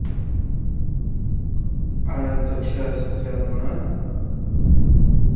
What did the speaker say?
а это часть одна